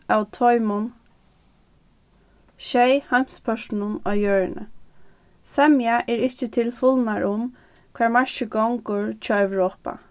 av teimum sjey heimspørtunum á jørðini semja er ikki til fulnar um hvar markið gongur hjá europa